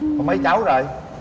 có mấy cháu rồi